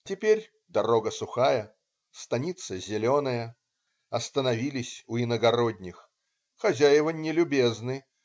Теперь дорога сухая, станица - зеленая. Остановились у иногородних. Хозяева не любезны.